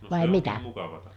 no se on mukavaa